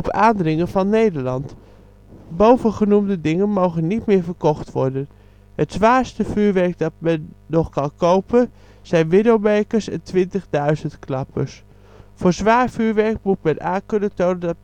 aandringen van Nederland. Bovengenoemde dingen mogen niet meer verkocht worden. Het zwaarste vuurwerk dat men nog kan kopen zijn widowmakers en 20.000 klappers. Voor zwaar vuurwerk moet men aan kunnen tonen